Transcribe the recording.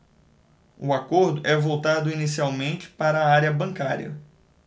o acordo é voltado inicialmente para a área bancária